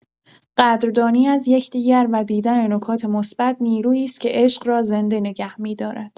قدردانی از یکدیگر و دیدن نکات مثبت، نیرویی است که عشق را زنده نگه می‌دارد.